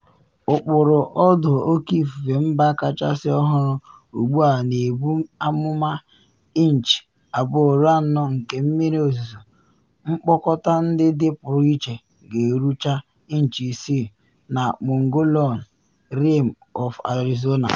Ụkpụrụ Ọdụ Oke Ifufe Mba kachasị ọhụrụ ugbu a na ebu amụma inchi 2 ruo 4 nke mmiri ozizo, mkpokọta ndị dịpụrụ iche ga-erucha inchi 6 na Mogolllon Rim of Arizona.